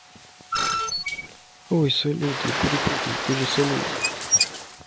ой салют прости я перепутала ты же салют